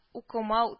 Укымау